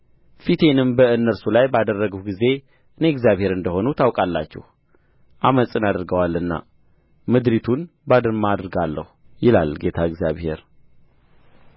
ፊቴንም በእነርሱ ላይ ባደረግሁ ጊዜ እኔ እግዚአብሔር እንደ ሆንሁ ታውቃላችሁ ዓመፅን አድርገዋልና ምድሪቱን ባድማ አደርጋለሁ ይላል ጌታ እግዚአብሔር